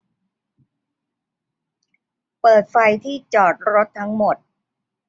เปิดไฟที่จอดรถทั้งหมด